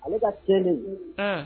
Ale ka tiɲɛni unn